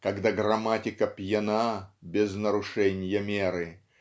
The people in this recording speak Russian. Когда грамматика пьяна Без нарушенья меры,